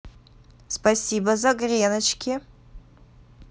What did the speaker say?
спасибо за греночки